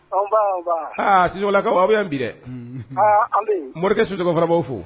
Sla ko aw yanan bi dɛ an morikɛ suɔgɔ fanabaw fo